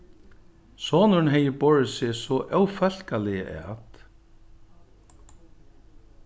sonurin hevði borið seg so ófólkaliga at